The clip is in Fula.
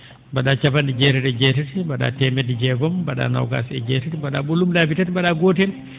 mba?aa cappan?e jeetati e jeetati mba?aa teemedde jeegom mba?aa noogaas e jeetati mba?aa ?olum laabi tati mba?a gootel